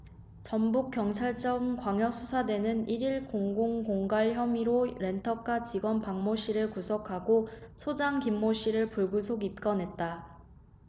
전북경찰청 광역수사대는 일 일 공동공갈 혐의로 렌터카 직원 박모씨를 구속하고 소장 김모씨를 불구속 입건했다